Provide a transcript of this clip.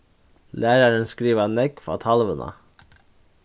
lærarin skrivar nógv á talvuna